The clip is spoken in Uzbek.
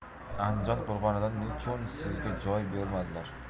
andijon qo'rg'onidan nechun sizga joy bermadilar